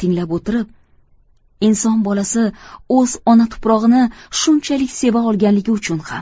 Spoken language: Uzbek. tinglab o'tirib inson bolasi o'z ona tuprog'ini shunchalik seva olganligi uchun ham